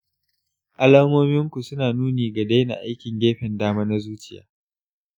alamominku su na nuni ga daina aikin gefen dama na zuciya